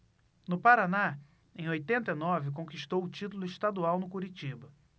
no paraná em oitenta e nove conquistou o título estadual no curitiba